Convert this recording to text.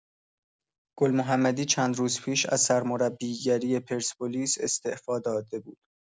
گل‌محمدی چند روز پیش از سرمربیگری پرسپولیس استعفا داده بود.